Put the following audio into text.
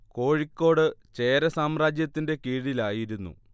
കോഴിക്കോട് ചേര സാമ്രാജ്യത്തിന്റെ കീഴിലായിരുന്നു